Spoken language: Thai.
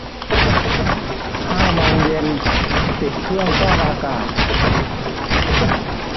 ห้าโมงเย็นปิดเครื่องฟอกอากาศ